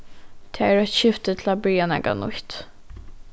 tað er eitt skifti til at byrja nakað nýtt